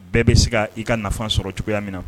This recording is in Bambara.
Bɛɛ bɛ se ka i ka nafa sɔrɔ cogoya min na